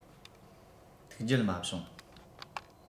ཐུགས རྒྱལ མ བྱུང